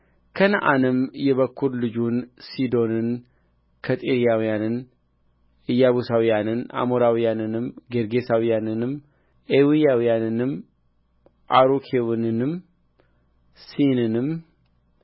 ከነዓንም የበኵር ልጁን ሲዶንን ኬጢያውያንንም ኢያቡሳውያንንም አሞራውያንንም ጌርጌሳውያንንም ኤዊያውያንንም ዐሩኬዎንንም ሲኒንም